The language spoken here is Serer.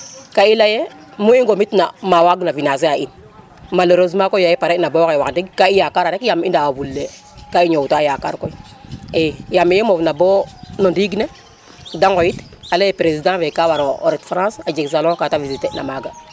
ka i leye mu i ŋomit na wa mbaag na financer a in malhereusement koy ya i pare na bomxay wax deg ka i yakararek yam i ndewa fule ka i ñoow ta yakar koyb i yam ye i moof na bo no ndiig ne de ŋoyit a leye president fe ka waro o ret France a jeg salon ka te visité na maga